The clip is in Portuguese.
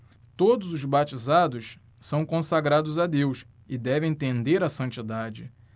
todos os batizados são consagrados a deus e devem tender à santidade